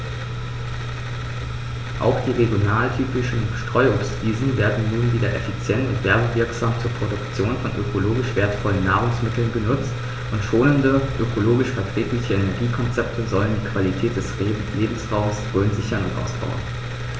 Auch die regionaltypischen Streuobstwiesen werden nun wieder effizient und werbewirksam zur Produktion von ökologisch wertvollen Nahrungsmitteln genutzt, und schonende, ökologisch verträgliche Energiekonzepte sollen die Qualität des Lebensraumes Rhön sichern und ausbauen.